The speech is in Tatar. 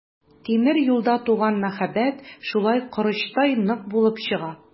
Тимер юлда туган мәхәббәт шулай корычтай нык булып чыга.